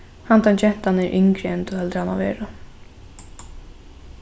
handan gentan er yngri enn tú heldur hana vera